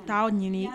Taa'w ɲini